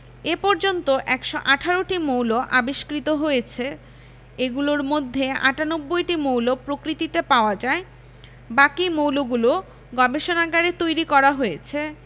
এ পর্যন্ত ১১৮টি মৌল আবিষ্কৃত হয়েছে এগুলোর মধ্যে ৯৮টি মৌল প্রকৃতিতে পাওয়া যায় বাকি মৌলগুলো গবেষণাগারে তৈরি করা হয়েছে